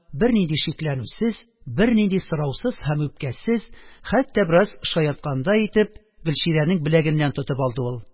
Бернинди шикләнүсез, бернинди сораусыз һәм үпкәсез, хәтта бераз шаярткандай итеп, гөлчирәнең беләгеннән тотып алды ул: